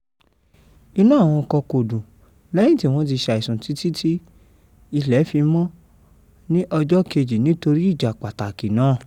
Ìnú àwọn kan kò dùn lẹ́yìn tí wọ́n ti ṣàìsùn títí tí ilẹ̀ fi mọ́ ní ọjọ́ kejì nítorí ìjà pàtàkì náà.